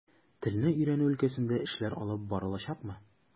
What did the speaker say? Телне өйрәнү өлкәсендә эшләр алып барылачакмы?